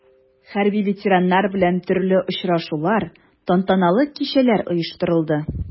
Хәрби ветераннар белән төрле очрашулар, тантаналы кичәләр оештырылды.